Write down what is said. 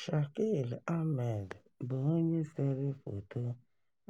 Shakil Ahmed bụ onye sere foto,